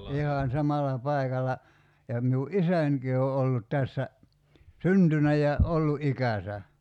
ihan samalla paikalla ja minun isänikin on ollut tässä syntynyt ja ollut ikänsä